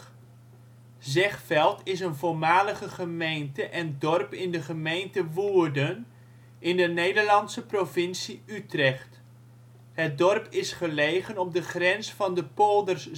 Zegveld is een voormalige gemeente en dorp in de gemeente Woerden in de Nederlandse provincie Utrecht. Het dorp is gelegen op de grens van de polders